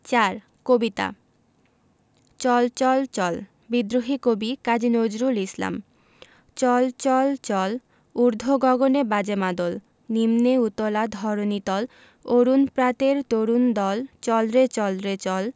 ৪ কবিতা চল চল চল বিদ্রোহী কবি কাজী নজরুল ইসলাম চল চল চল ঊর্ধ্ব গগনে বাজে মাদল নিম্নে উতলা ধরণি তল অরুণ প্রাতের তরুণ দল চল রে চল রে চল